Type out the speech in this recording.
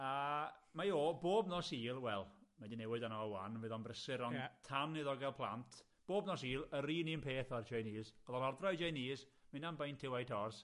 A mae o bob nos Sul, wel, mae 'di newid arno o ŵan, mi fydd o'n brysur ond... Ie. ...tan iddo ga'l plant, bob nos Sul, yr un un peth o'r Chinese, o'dd o'n ordro ei Jeinese, myn' am beint i White Orse